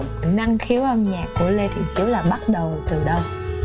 thì năng khiếu âm nhạc của lê thiện hiếu là bắt đầu từ đâu